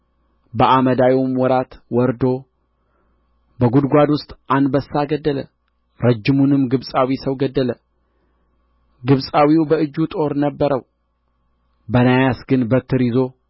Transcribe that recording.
በአመዳዩም ወራት ወርዶ በጕድጓድ ውስጥ አንበሳ ገደለ ረጅሙንም ግብጻዊ ሰው ገደለ ግብጻዊው በእጁ ጦር ነበረው በናያስ ግን በትር ይዞ